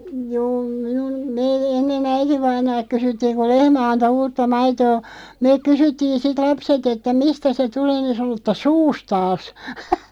juu minun me ennen äitivainaalta kysyttiin kun lehmä antoi uutta maitoa me kysyttiin sitten lapset että mistä se tulee niin sanoi että suustaan